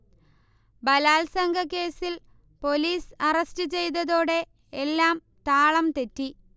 ബലാത്സംഗക്കേസിൽ police arrest ചെയ്തതോടെ എല്ലാം താളം തെറ്റി